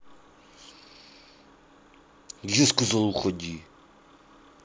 а я сказала уходи